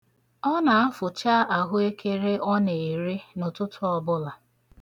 Ọ na-afụcha ahụekere ọ na-ere n'ụtụtụ ọbụla.